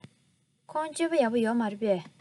ཁོའི སྤྱོད པ ཡག པོ ཡོད མ རེད པས